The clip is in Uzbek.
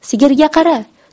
sigirga qara